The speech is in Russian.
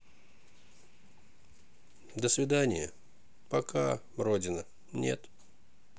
досвидания пока родина нет